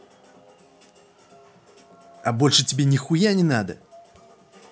а больше тебе нихуя не надо